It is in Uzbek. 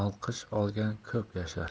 olqish olgan ko'p yashar